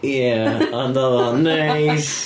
Ia, ond oedd o'n neis!